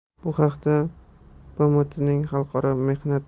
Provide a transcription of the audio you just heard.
bu haqda bmtning xalqaro mehnat